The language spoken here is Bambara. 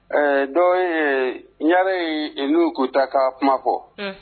Dɔ n yɛrɛre ye n' tunta ka kuma fɔ